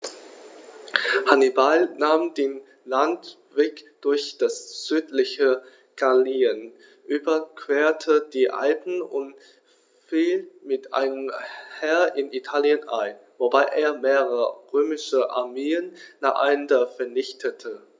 Hannibal nahm den Landweg durch das südliche Gallien, überquerte die Alpen und fiel mit einem Heer in Italien ein, wobei er mehrere römische Armeen nacheinander vernichtete.